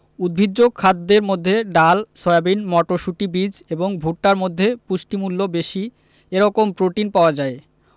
উদ্ভিজ্জ খাদ্যের মধ্যে ডাল সয়াবিন মটরশুটি বীজ এবং ভুট্টার মধ্যে পুষ্টিমূল্য বেশি এরকম প্রোটিন পাওয়া যায়